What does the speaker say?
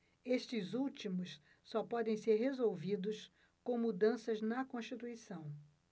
estes últimos só podem ser resolvidos com mudanças na constituição